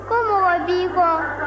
ko mɔgɔ b'i kɔ